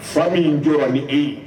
Fa min jɔ a bi e